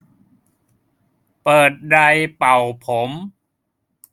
เปิดไดร์เป่าผม